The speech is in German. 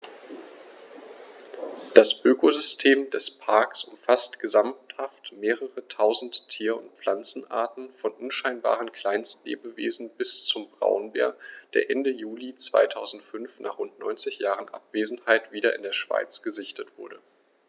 Das Ökosystem des Parks umfasst gesamthaft mehrere tausend Tier- und Pflanzenarten, von unscheinbaren Kleinstlebewesen bis zum Braunbär, der Ende Juli 2005, nach rund 90 Jahren Abwesenheit, wieder in der Schweiz gesichtet wurde.